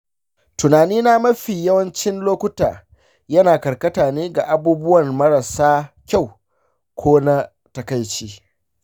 tunanina mafi yawancin lokuta yana karkata ne ga abubuwan marasa kyau ko na takaici.